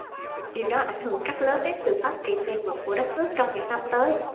điều đó ảnh hưởng rất lớn đến sự phát triển bền vững của đất nước trong những năm tới